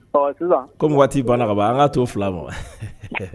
Ɔ siasn, komi waati banna ka ban an k'a to o fila ma